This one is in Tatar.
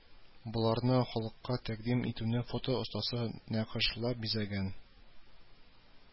Боларны халыкка тәкъдим итүне фото остасы нәкышлап бизәген